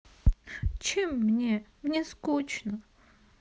чем мне мне скучно